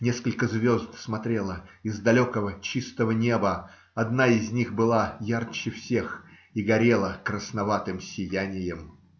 Несколько звезд смотрело из далекого чистого неба, одна из них была ярче всех и горела красноватым сиянием.